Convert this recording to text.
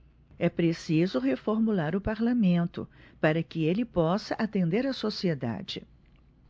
é preciso reformular o parlamento para que ele possa atender a sociedade